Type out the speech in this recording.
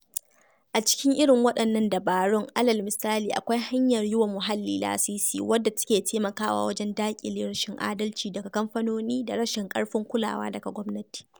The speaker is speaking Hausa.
[A cikin irin waɗannan dabarun], alal misali, akwai hanyar yi wa muhalli lasisi, [wadda take taimakawa wajen daƙile] rashin adalci daga kamfanoni da rashin ƙarfin kulawa daga gwamnati.